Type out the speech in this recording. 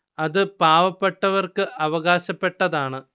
അത് പാവപ്പെട്ടവർക്ക് അവകാശപ്പെട്ടതാണ്